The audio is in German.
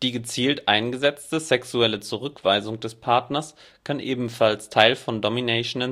gezielt eingesetzte sexuelle Zurückweisung des Partners kann ebenfalls Teil von Domination